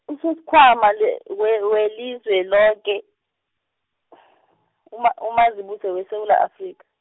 uSosikhwama le- we- welizwe loke, uma- uMazibuse weSewula Afrika.